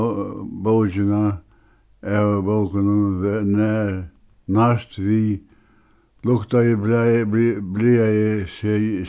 bókina av bókunum nart við luktaði blaðaði